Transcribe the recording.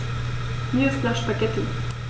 Mir ist nach Spaghetti.